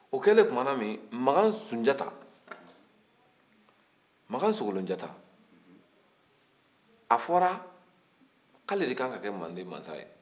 o kɛlen tumana min makan sunjata makan sogolonjata a fɔra k'ale de kan ka kɛ manden masa ye